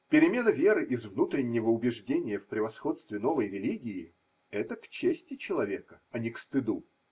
Перемена веры из внутреннего убеждения в превосходстве новой религии – это к чести человека, а не к стыду.